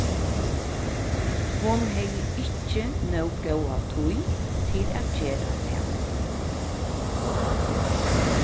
hon hevði ikki nóg góða tíð til at gera tað